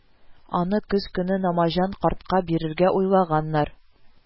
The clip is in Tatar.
Аны көз көне Намаҗан картка бирергә уйлаганнар